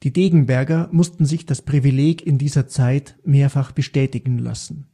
Degenberger mussten sich das Privileg in dieser Zeit mehrfach bestätigen lassen